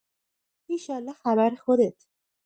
ایشالله خبر خودت